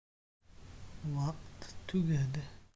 vaqt tugadi